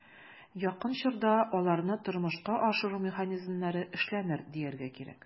Якын чорда аларны тормышка ашыру механизмнары эшләнер, дияргә кирәк.